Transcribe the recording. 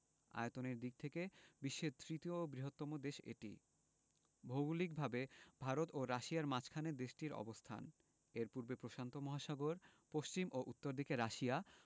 আয়তনের দিক থেকে বিশ্বের তৃতীয় বৃহত্তম দেশ এটি ভৌগলিকভাবে ভারত ও রাশিয়ার মাঝখানে দেশটির অবস্থান এর পূর্বে প্রশান্ত মহাসাগর পশ্চিম ও উত্তর দিকে রাশিয়া